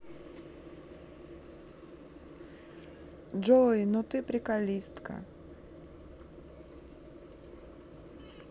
джой ну ты приколистка